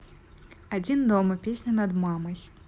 один дома песня над мамой